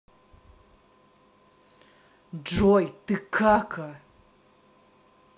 джой ты кака